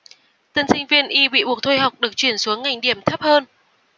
tân sinh viên y bị buộc thôi học được chuyển xuống ngành điểm thấp hơn